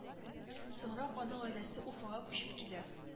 Соңрак аның гаиләсе уфага күчеп килә